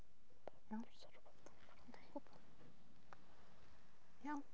Iawn?... Oes 'na rywbeth dan ni'n gorfod deud?... Iawn?